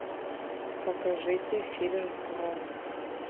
покажите фильм про